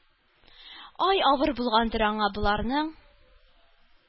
Ай, авыр булгандыр аңа боларның